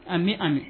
A ni an ni